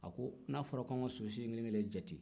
a ko n'a fɔra anw ka siden kelen-kelen jate